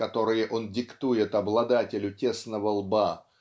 которые он диктует обладателю тесного лба